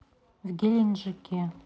в геленджике